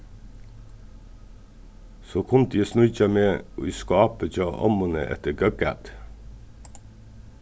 so kundi eg sníkja meg í skápið hjá ommuni eftir góðgæti